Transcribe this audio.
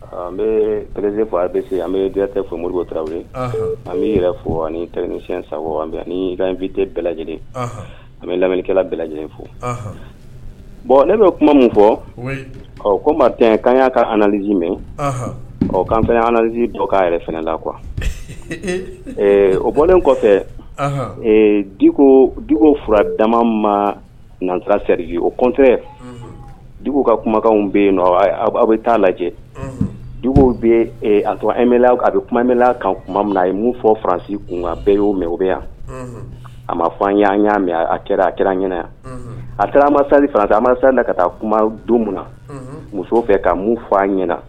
An bɛ peree f bɛ se an bɛtɛ fo mori tarawele an bɛ yɛrɛ fɔ ani prɛnyɛn safinte bɛɛla lajɛlen an bɛ laminikɛla bɛɛ lajɛlen fo bɔn ne bɛ kuma min fɔ ɔ ko ma tɛ'an y'a kazi mɛn ɔ k'an bɛzi dɔ k'a yɛrɛ fana la qu o bɔlen kɔfɛ ko du fura dama ma nantasɛriki o kɔnte dugu ka kumakanw bɛ yen aw bɛ t taaa lajɛ du bɛ a a bɛ kuma kan kuma min a ye mu fɔ faransi kun bɛɛ y'o mɛ o bɛ yan a ma fɔ y'an mɛn a kɛra a kira ɲɛna yan a taara masa masa na ka taa kuma don min na musow fɛ ka mu fɔ an ɲɛna